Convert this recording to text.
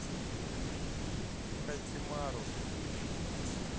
хокимару